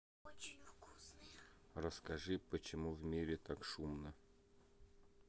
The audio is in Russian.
расскажи почему в мире так шумно